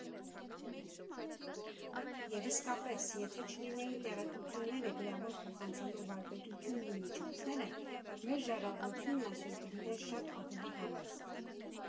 Եվ, իսկապես, եթե չլինեին տեղեկությունները գրավոր փոխանցելու վարպետությունն ու միջոցները, մեր ժառանգությունն այսօր կլիներ շատ ավելի համեստ։